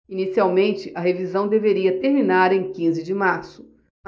inicialmente a revisão deveria terminar em quinze de março